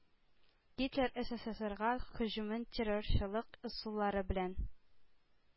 Гитлер эсэсэсэрга һөҗүмен террорчылык ысуллары белән